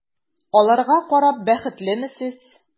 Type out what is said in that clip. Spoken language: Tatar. Аларга карап бәхетлеме сез?